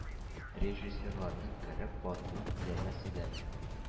Режиссерларның кереп батуын теләмәс идем.